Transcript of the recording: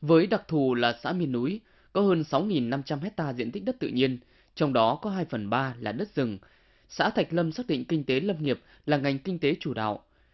với đặc thù là xã miền núi có hơn sáu nghìn năm trăm héc ta diện tích đất tự nhiên trong đó có hai phần ba là đất rừng xã thạch lâm xác định kinh tế lâm nghiệp là ngành kinh tế chủ đạo